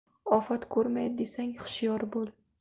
ofat ko'rmay desang hushyor bo'l